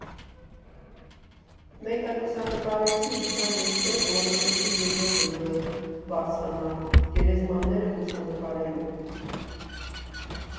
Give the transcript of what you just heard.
Մեկը լուսանկարեցի, իջա ներքև, որոշեցի երկրորդ բլուրը բարձրանալ՝ գերեզմանները լուսանկարելու։